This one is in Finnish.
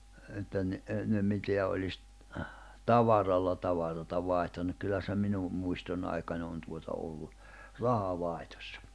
että niin ennen mitä olisi tavaralla tavaraa vaihtanut kyllä se minun muistoni aikana on tuota ollut rahavaihdossa